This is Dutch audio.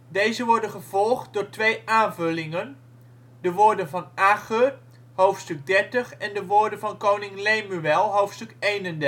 Deze worden gevolgd door twee aanvullingen " De woorden van Agur " (Hoofdstuk 30); " De woorden van koning Lemuel " (Hoofdstuk 31